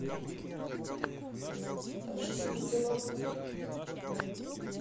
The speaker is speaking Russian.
дашин гардероб